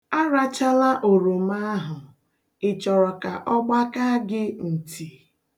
A rachala oroma ahụ, ị chọrọ ka ọ gbakaa gị nti?